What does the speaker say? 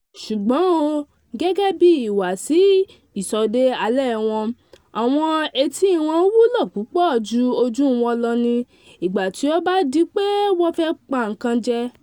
Ṣùgbọ́n o, gẹ́gẹ́bí ìhùwàsí ìṣọdẹ alẹ̀ wọn, Àwọn etí wọn wúlò púpọ̀ ju ojú wọn lọ ní ìgbà tí ó bá dí pé wọn fẹ́ pa ńkan jẹ.